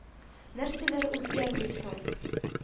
Нәрсәләр үзгәрми соң